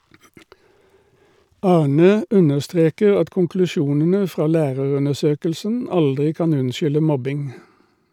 Arnø understreker at konklusjonene fra lærerundersøkelsen aldri kan unnskylde mobbing.